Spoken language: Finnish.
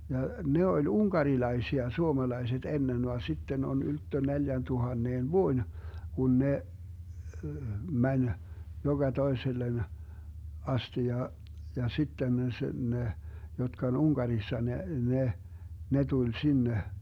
ja ne oli unkarilaisia suomalaiset ennen vaan sitten on ylttö neljäntuhannen vuoden kun ne meni joka toiselle asti ja ja sitten se ne jotka on Unkarissa ne ne ne tuli sinne